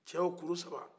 cɛw kuru saba